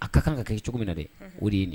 A ka kan ka kɛ cogo min na dɛ o de ye nin